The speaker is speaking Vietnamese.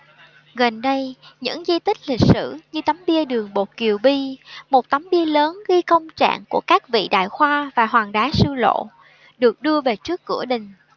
gần đây những di tích lịch sử như tấm bia đường bột kiều bi một tấm bia lớn ghi công trạng của các vị đại khoa và hòn đá sư lộ được đưa về trước cửa đình